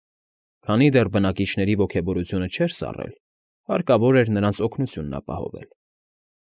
Քանի դեռ բնակիչների ոգևորությունը չէր սառել, հարկավոր էր նրանց օգնությունն ապահովել։